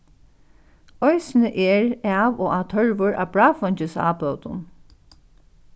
eisini er av og á tørvur á bráðfeingis ábótum